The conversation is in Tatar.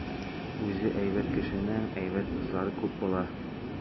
Үзе әйбәт кешенең әйбәт дуслары күп була.